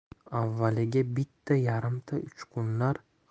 avvaliga bitta yarimta uchqunlar